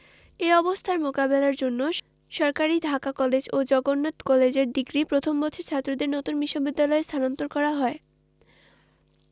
এ অবস্থার মোকাবেলার জন্য সরকারি ঢাকা কলেজ ও জগন্নাথ কলেজের ডিগ্রি প্রথম বর্ষের ছাত্রদের নতুন বিশ্ববিদ্যালয়ে স্থানান্তর করা হয়